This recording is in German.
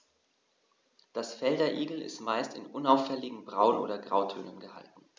Das Fell der Igel ist meist in unauffälligen Braun- oder Grautönen gehalten.